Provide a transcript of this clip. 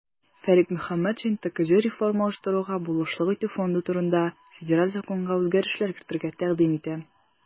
Фәрит Мөхәммәтшин "ТКҖ реформалаштыруга булышлык итү фонды турында" Федераль законга үзгәрешләр кертергә тәкъдим итә.